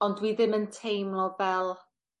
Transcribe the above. ond dwi ddim yn teimlo fel...